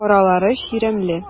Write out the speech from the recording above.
Аралары чирәмле.